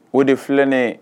O de filɛni ye